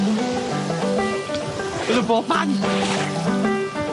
Ma' nw bob man!